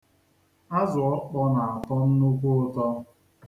Azụọkpọọ na-atọ nnukwu ụtọ.